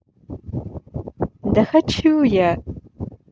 да хочу я